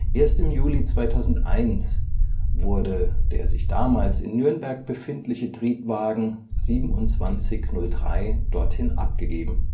Erst im Juli 2001 wurde der sich damals in Nürnberg befindliche Triebwagen 2703 dorthin abgegeben